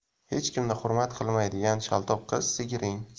hech kimni hurmat qilmaydigan shaltoq qiz sigiring